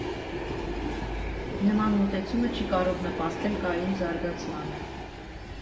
Նման մոտեցումը չի կարող նպաստել կայուն զարգացմանը։